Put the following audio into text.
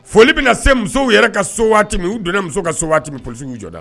Foli bɛ na se musow yɛrɛ ka so waati min u donna muso ka so min p' jɔ da